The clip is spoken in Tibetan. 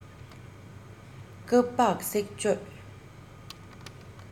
སྐབས བབས གསེག གཅོད